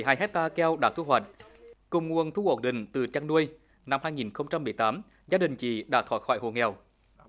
hai héc ta keo đạt thu hoạch cùng nguồn thu ổn định từ chăn nuôi năm hai nghìn không trăm mười tám gia đình chị đã thoát khỏi hộ nghèo